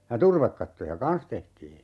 ja turvekattoja kanssa tehtiin